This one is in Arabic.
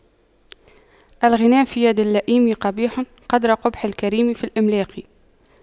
الغنى في يد اللئيم قبيح قدر قبح الكريم في الإملاق